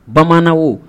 Bamaannan o